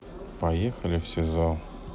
поехали в сизо